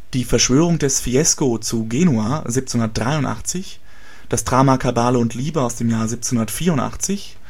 Die Verschwörung des Fiesko zu Genua 1783 Kabale und Liebe 1784